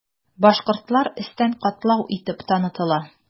Башкортлар өстен катлау итеп танытыла.